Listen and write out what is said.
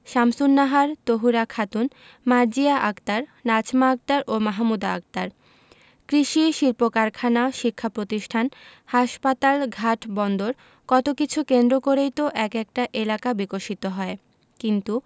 শামসুন্নাহার তহুরা খাতুন মার্জিয়া আক্তার নাজমা আক্তার ও মাহমুদা আক্তার কৃষি শিল্পকারখানা শিক্ষাপ্রতিষ্ঠান হাসপাতাল ঘাট বন্দর কত কিছু কেন্দ্র করেই তো এক একটা এলাকা বিকশিত হয় কিন্তু